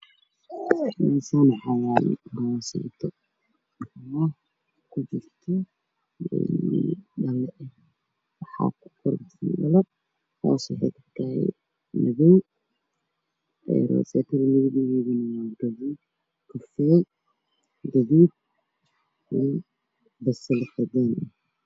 Meeshaan waxaa yaalo rooseeto oo kujirto dhalo. Korna waa dhalo hoosna waa madow. Midabkeedu waa gaduud, kafay, madow iyo basali.